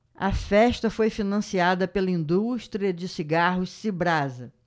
a festa foi financiada pela indústria de cigarros cibrasa